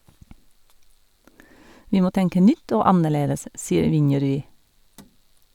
Vi må tenke nytt og annerledes, sier Vinjerui.